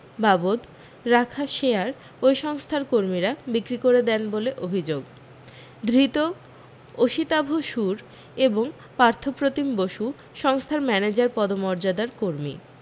বাবদ রাখা শেয়ার ওই সংস্থার কর্মীরা বিক্রী করে দেন বলে অভি্যোগ ধৃত অসিতাভ শূর এবং পার্থপ্রতিম বসু সংস্থার ম্যানেজার পদমর্যাদার কর্মী